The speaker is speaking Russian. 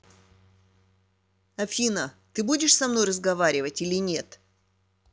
афина ты будешь со мной разговаривать или нет